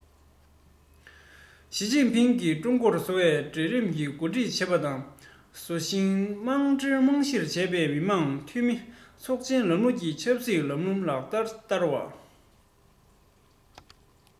ཞིས ཅིན ཕིང གིས ཀྲུང གོར བཟོ པའི གྲལ རིམ གྱིས འགོ ཁྲིད བྱེད པ དང བཟོ ཞིང མནའ འབྲེལ རྨང གཞིར བྱས པའི མི དམངས འཐུས མི ཚོགས ཆེན ལམ ལུགས ཀྱི ཆབ སྲིད ལམ ལུགས ལག ལེན བསྟར བ